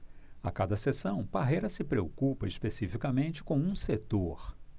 a cada sessão parreira se preocupa especificamente com um setor